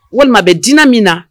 Walima bɛ di min na